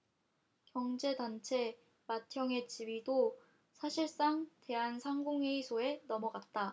경제단체 맏형의 지위도 사실상 대한상공회의소에 넘어갔다